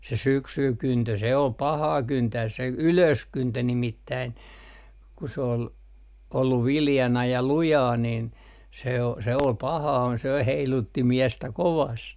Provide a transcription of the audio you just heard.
se syksyn kyntö se oli pahaa kyntää se ylöskyntö nimittäin kun se oli ollut viljana ja lujaa niin se on se oli pahaa se heilutti miestä kovasti